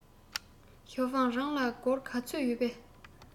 ཞའོ ཧྥང རང ལ སྒོར ག ཚོད ཡོད པས